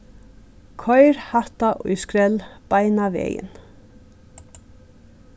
koyr hatta í skrell beinanvegin